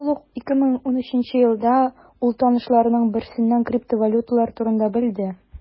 Шул ук 2013 елда ул танышларының берсеннән криптовалюталар турында белде.